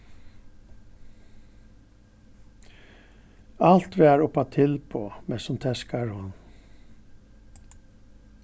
alt var uppá tilboð mestsum teskar hon